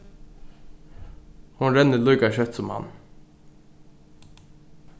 hon rennur líka skjótt sum hann